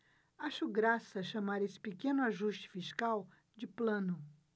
acho graça chamar esse pequeno ajuste fiscal de plano